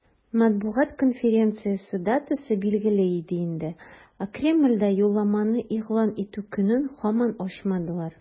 Матбугат конференциясе датасы билгеле иде инде, ә Кремльдә юлламаны игълан итү көнен һаман ачмадылар.